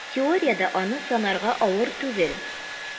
Теориядә аны санарга авыр түгел: